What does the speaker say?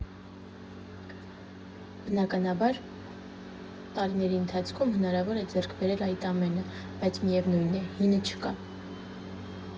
Բնականաբար տարիների ընթացքում հնարավոր է ձեռք բերել այդ ամենը, բայց միևնույն է՝ հինը չկա։